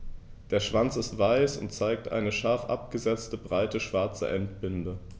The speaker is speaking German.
Der Schwanz ist weiß und zeigt eine scharf abgesetzte, breite schwarze Endbinde.